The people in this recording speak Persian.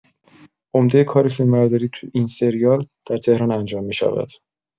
عمده کار فیلمبرداری این سریال در تهران انجام می‌شود.